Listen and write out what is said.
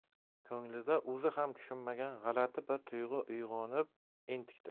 ko'nglida o'zi ham tushunmagan g'alati bir tuyg'u uyg'onib entikdi